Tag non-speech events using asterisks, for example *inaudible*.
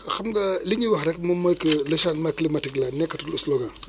xam nga li ñuy wax rek moom mooy *noise* que le changement climatique là nekkatul un slogan